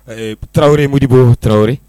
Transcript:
Ɛɛ Traoré Modibo Traoré